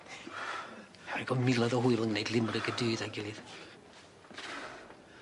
Ma' rai' bo' miloedd o hwyl yn gneud limrig y dydd a'i gilydd.